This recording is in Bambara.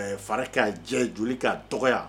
Fara ka jɛ joli k'a tɔgɔ